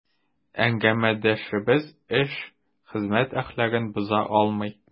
Әңгәмәдәшебез эш, хезмәт әхлагын боза алмый.